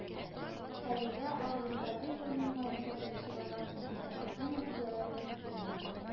Әлегә агымдагы елның маенда тапшырылган имтиханнарның нәтиҗәләре билгеле